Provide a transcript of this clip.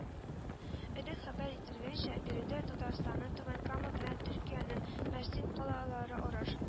Элек хәбәр ителгәнчә, биредә Татарстанның Түбән Кама белән Төркиянең Мәрсин калалары араш